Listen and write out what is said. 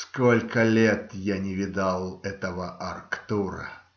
- Сколько лет я не видал этого Арктура?